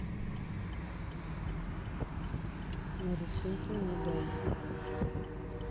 нарисуйте мне дом